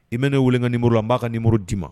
I bɛ ne wele n ka numéro la, an b'a ka numéro d'i ma.